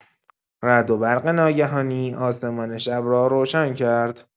رعد و برق ناگهانی آسمان شب را روشن کرد.